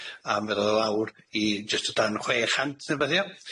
a mi o'dd o lawr i jyst o dan chwe chant ne' 'beth, ia?